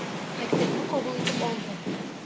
Мәктәпне кабул итеп алды.